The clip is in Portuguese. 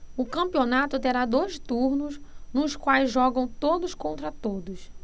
o campeonato terá dois turnos nos quais jogam todos contra todos